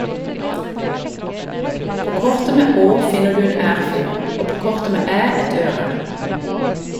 På kortet med Å, finner du en ærfugl, og på kortet med Æ et øre.